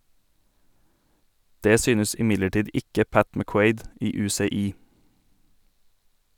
Det synes imidlertid ikke Pat McQuaid i UCI.